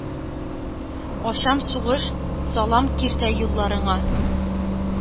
Ачам сугыш, салам киртә юлларыңа!»